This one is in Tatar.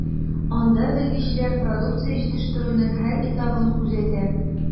Анда белгечләр продукция җитештерүнең һәр этабын күзәтә.